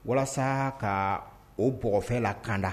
Walasa ka o bɔgɔfɛ la kanda